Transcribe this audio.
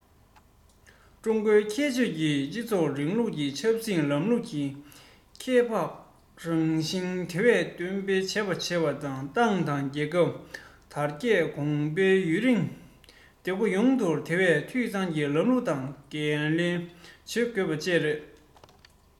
ཀྲུང གོའི ཁྱད ཆོས ཀྱི སྤྱི ཚོགས རིང ལུགས ཀྱི ཆབ སྲིད ལམ ལུགས ཀྱི ཁྱད འཕགས རང བཞིན དེ བས འདོན སྤེལ ཡག པོ བྱས ནས ཏང དང རྒྱལ ཁབ དར རྒྱས གོང འཕེལ དང ཡུན རིང བདེ འཁོད ཡོང རྒྱུར དེ བས འཐུས ཚང གི ལམ ལུགས ཀྱི འགན ལེན བྱེད དགོས པ བཅས རེད